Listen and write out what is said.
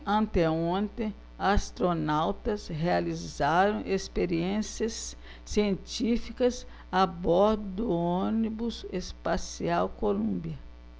anteontem astronautas realizaram experiências científicas a bordo do ônibus espacial columbia